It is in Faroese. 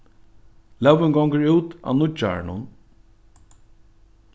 lógin gongur út á nýggjárinum